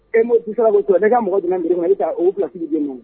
E ma di sababuo ne ka mɔgɔ dunan ma i taa o filasigi den ma